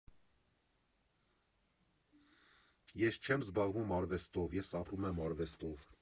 Ես չեմ զբաղվում արվեստով, ես ապրում եմ արվեստով։